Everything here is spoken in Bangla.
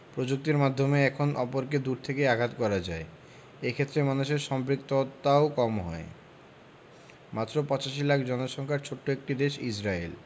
প্রযুক্তির মাধ্যমে এখন অপরকে দূর থেকেই আঘাত করা যায় এ ক্ষেত্রে মানুষের সম্পৃক্ততাও কম হয় মাত্র ৮৫ লাখ জনসংখ্যার ছোট্ট একটি দেশ ইসরায়েল